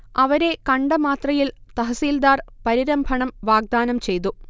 അവരെ കണ്ട മാത്രയിൽ തഹസീൽദാർ പരിരംഭണം വാഗ്ദാനം ചെയ്തു